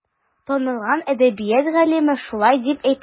Танылган әдәбият галиме шулай дип әйтә.